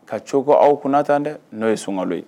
Ka co kɔ aw kunna tan dɛ n'o ye sunkalo ye.